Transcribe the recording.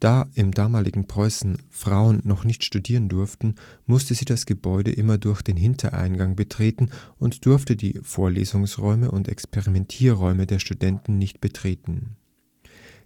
Da im damaligen Preußen Frauen noch nicht studieren durften, musste sie das Gebäude immer durch den Hintereingang betreten und durfte die Vorlesungsräume und Experimentierräume der Studenten nicht betreten.